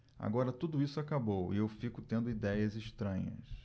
agora tudo isso acabou e eu fico tendo idéias estranhas